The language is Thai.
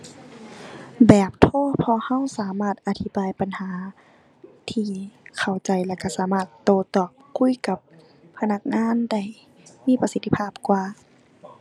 แบบโทร เพราะเราสามารถอธิบายปัญหาที่เข้าใจแล้วเราสามารถโต้ตอบคุยกับพนักงานได้มีประสิทธิภาพกว่า